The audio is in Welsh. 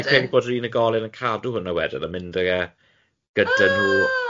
Ie, fi'n credu bod yr unigolyn yn cadw hwnna wedyn yn mynd ag e gyda nhw ah!